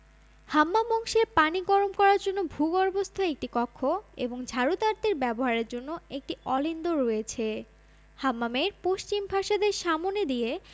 হাম্মাম অংশে পানি গরম করার জন্য ভূগর্ভস্থ একটি কক্ষ এবং ঝাড়ুদারদের ব্যবহারের জন্য একটি অলিন্দ রয়েছে হাম্মামের পশ্চিম ফাসাদের সামনে দিয়ে